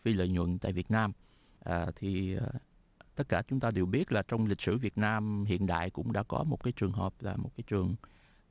phi lợi nhuận tại việt nam à thì tất cả chúng ta đều biết là trong lịch sử việt nam hiện đại cũng đã có một cái trường hợp là một cái trường